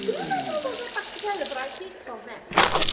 Dwi'm yn meddwl they'll get back together but I think they'll neck.